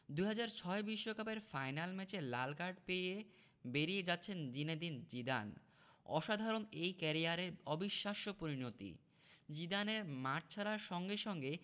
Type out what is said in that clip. ২০০৬ বিশ্বকাপের ফাইনাল ম্যাচে লাল কার্ড পেয়ে বেরিয়ে যাচ্ছেন জিনেদিন জিদান অসাধারণ এক ক্যারিয়ারের অবিশ্বাস্য পরিণতি জিদানের মাঠ ছাড়ার সঙ্গে সঙ্গে